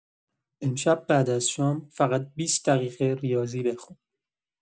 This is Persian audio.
امشب بعد از شام فقط بیست دقیقه ریاضی بخون.